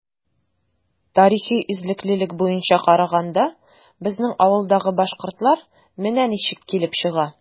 Тарихи эзлеклелек буенча караганда, безнең авылдагы “башкортлар” менә ничек килеп чыга.